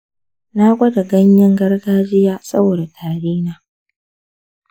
na gwada ganyayen gargajiya saboda tari na.